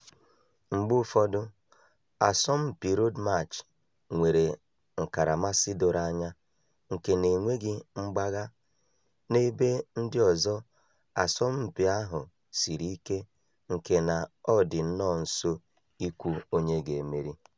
Mgbe ụfọdụ, asọmpi Road March nwere nkaramasị doro anya nke na-enweghị mgbagha; n'ebe ndị ọzọ, asọmpi ahụ siri ike nke na ọ dị nnọọ nso ikwu onye ga-emeri.